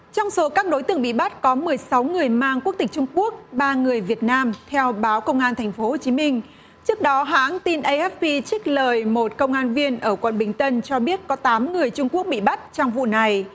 trong số các đối tượng bị bắt có mười sáu người mang quốc tịch trung quốc ba người việt nam theo báo công an thành phố chí minh trước đó hãng tin a ép phi trích lời một công an viên ở quận bình tân cho biết có tám người trung quốc bị bắt trong vụ này